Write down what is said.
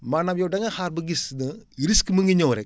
maanaam yow da nga xaar ba gis ne risque mu ngi ñëw rek